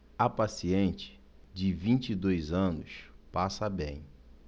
a paciente de vinte e dois anos passa bem